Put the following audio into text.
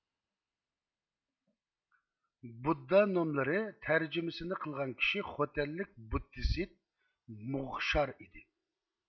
بۇددا نوملىرى تەرجىمىسىنى قىلغان كىشى خوتەنلىك بۇددىست موغشار ئىدى